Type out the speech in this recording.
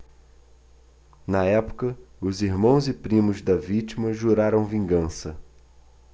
na época os irmãos e primos da vítima juraram vingança